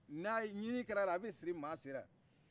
ni ɲin kɛra ala a bɛ siri maa senna